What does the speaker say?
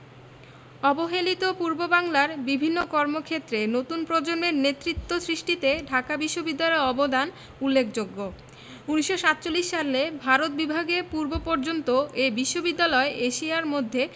অবহেলিত পূর্ববাংলার বিভিন্ন কর্মক্ষেত্রে নতুন প্রজন্মের নেতৃত্ব সৃষ্টিতে ঢাকা বিশ্ববিদ্যালয়ের অবদান উল্লেখযোগ্য ১৯৪৭ সালে ভারত বিভাগের পূর্বপর্যন্ত এ বিশ্ববিদ্যালয় এশিয়ার মধ্যে